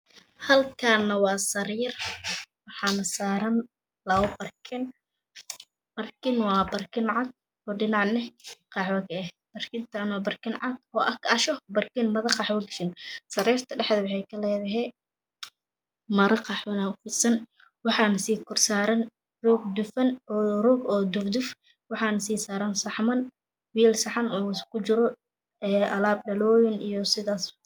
Halkane waa sareer waxaane saaran labo barkin barkin waa barkin cad dhinacne qaxwi kaeh sariirta dhinac waxey kaledhy maroqaxwo oofidsan waxaane siisaran saxman alasbdhaloyin